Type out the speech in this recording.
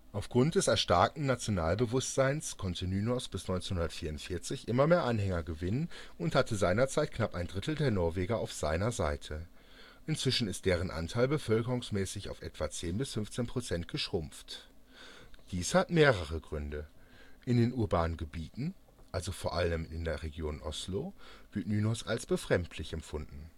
Aufgrund des erstarkten Nationalbewusstseins konnte Nynorsk bis 1944 immer mehr Anhänger gewinnen und hatte seinerzeit knapp ein Drittel der Norweger auf seiner Seite. Inzwischen ist deren Anteil bevölkerungsmäßig auf etwa 10 – 15 Prozent geschrumpft. Dies hat mehrere Gründe: In den urbanen Gebieten, also vor allem in der Region Oslo, wird Nynorsk als befremdlich empfunden